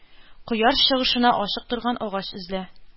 Кояш чыгышына ачык торган агач эзлә.